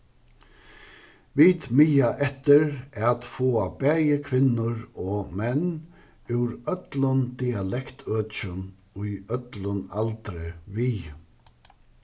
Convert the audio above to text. vit miða eftir at fáa bæði kvinnur og menn úr øllum dialektøkjum í øllum aldri við